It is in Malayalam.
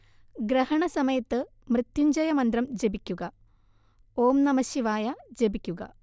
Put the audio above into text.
ഗ്രഹണ സമയത്ത് മൃത്യുഞ്ജയ മന്ത്രം ജപിക്കുക, ഓം നമഃശിവായ ജപിക്കുക